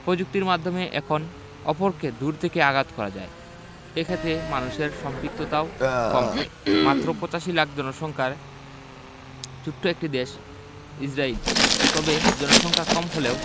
প্রযুক্তির মাধ্যমে এখন অপরকে দূর থেকেই আঘাত করা যায় এ ক্ষেত্রে মানুষের সম্পৃক্ততাও কম হয় মাত্র ৮৫ লাখ জনসংখ্যার ছোট্ট একটি দেশ ইসরায়েল তবে জনসংখ্যা কম হলেও